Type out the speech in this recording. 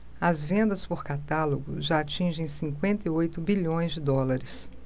as vendas por catálogo já atingem cinquenta e oito bilhões de dólares